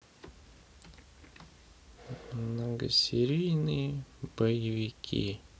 многосерийные боевики